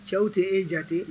Cɛw tɛ e jate